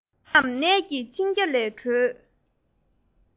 མི རྣམས ནད ཀྱི འཆིང རྒྱ ལས འགྲོལ